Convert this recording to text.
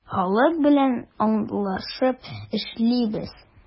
Халык белән аңлашып эшлибез.